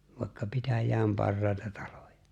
vaikka pitäjän parhaita taloja